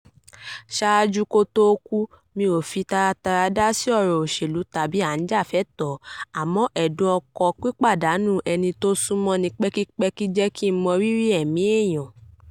Ṣáájú kí ó tóó kú, Mi ò fi taratara dá sí ọ̀rọ̀ òṣèlú tàbí à ń jà fẹ́tọ̀ọ́, àmọ́ ẹ̀dùn ọ̀kàn pípàdánù ẹni tó súnmọ ni pẹ́kípẹ́kí jẹ́ kí n mọ rírí ẹ̀mí eèyàn.